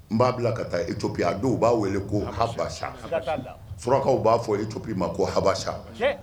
N b'a bila ka taa topiya dɔw b'a wele ko haba sa furakaww b'a fɔ i topi ma ko haba sa